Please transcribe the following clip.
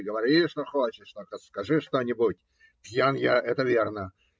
Говори, что хочешь, только скажи что-нибудь. Пьян я - это верно.